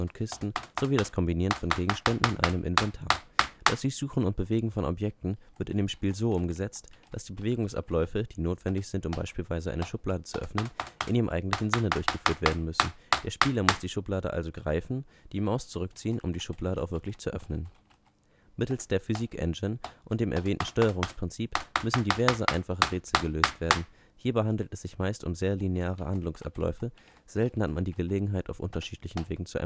Kisten sowie das Kombinieren von Gegenständen in einem Inventar. Das Durchsuchen und Bewegen von Objekten wird in dem Spiel so umgesetzt, dass die Bewegungsabläufe, die notwendig sind, um beispielsweise eine Schublade zu öffnen, in ihrem eigentlichen Sinne durchgeführt werden müssen. Der Spieler muss die Schublade greifen und die Maus zurückziehen, um die Schublade auch wirklich zu öffnen. Mittels der Physik-Engine und dem erwähnten Steuerungsprinzip müssen diverse einfache Rätsel gelöst werden. Hierbei handelt es sich meist um sehr lineare Handlungsabläufe, selten hat man die Gelegenheit, auf unterschiedlichen Wegen zu